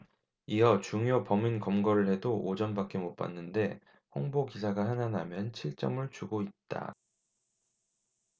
이어 중요 범인 검거를 해도 오 점밖에 못 받는데 홍보 기사가 하나 나면 칠 점을 주고 있다